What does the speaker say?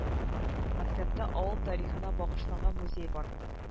Мәктәптә авыл тарихына багышланган музей бар